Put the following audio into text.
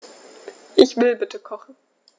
Ich will bitte kochen.